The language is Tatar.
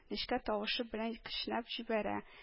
Нечкә тавышы белән кешнәп җибәрә